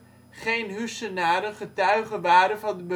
geen Huissenaren getuige waren van